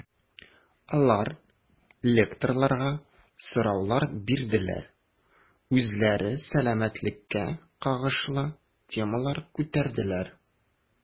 Алар лекторларга сораулар бирделәр, үзләре сәламәтлеккә кагылышлы темалар күтәрделәр.